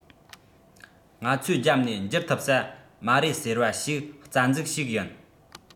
ང ཚོས རྒྱབ ནས འགྱུར ཐུབ ས མ རེད ཟེར བ ཞིག རྩ འཛུགས ཤིག ཡིན